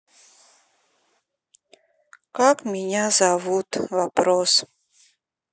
как меня зовут вопрос